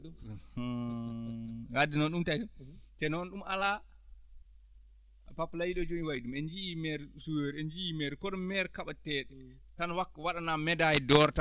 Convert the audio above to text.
wadde noon ɗum taki te noon ɗum alaa ko Pape layii ɗoo jooni o laayi ɗum en njiyii maire joueur en njiyii maire kono maire: fra kaɓeteeɗo tan waɗanaa médialle d' or tan